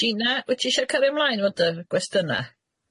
Gina wyt ti isio cyrrio mlaen efo dy gwestiyna?